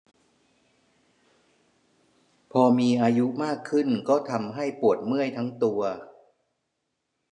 พอมีอายุมากขึ้นมากก็ทำให้ปวดเมื่อยทั้งตัว